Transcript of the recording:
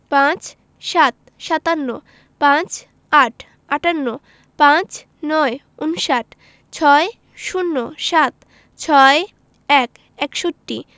৫৭ সাতান্ন ৫৮ আটান্ন ৫৯ ঊনষাট ৬০ ষাট ৬১ একষট্টি